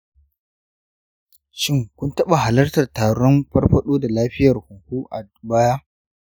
shin kun taɓa halartar taron farfado da lafiyar huhu a baya?